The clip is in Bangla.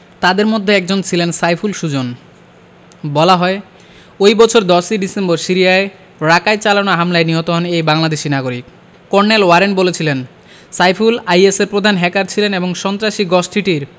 তাঁদের মধ্যে একজন ছিলেন সাইফুল সুজন বলা হয় ওই বছর ১০ ই ডিসেম্বর সিরিয়ার রাকায় চালানো হামলায় নিহত হন এই বাংলাদেশি নাগরিক কর্নেল ওয়ারেন বলেছিলেন সাইফুল আইএসের প্রধান হ্যাকার ছিলেন এবং সন্ত্রাসী গোষ্ঠীটির